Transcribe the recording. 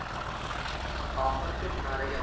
tohir ko'p nariga